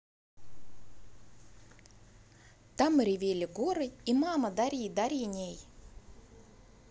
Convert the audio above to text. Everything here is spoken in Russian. там ревели горы и мама дари дари ней